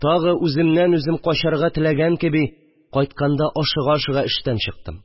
Тагы, үземнән үзем качарга теләгән кеби, кайтканда, ашыга-ашыга эштән чыктым